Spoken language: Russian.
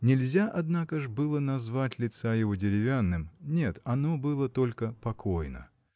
Нельзя, однако ж, было назвать лица его деревянным нет, оно было только покойно.